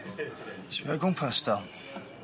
Sbia o gwmpas Del.